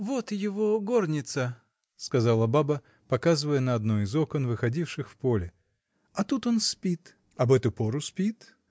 — Вон его горница, — сказала баба, показывая на одно из окон, выходивших в поле. — А тут он спит. — Об эту пору спит?